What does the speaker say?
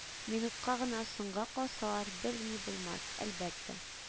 Минутка гына соңга калсалар, берни булмас, әлбәттә